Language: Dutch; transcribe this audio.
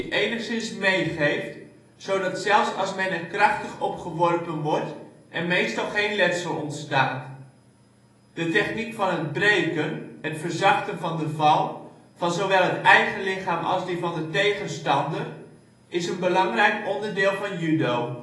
enigszins meegeeft, zodat zelfs als men er krachtig op geworpen wordt er meestal geen letsel ontstaat. De techniek van het ' breken ' (verzachten) van de val, van zowel het eigen lichaam als die van de tegenstander, is een belangrijk onderdeel van judo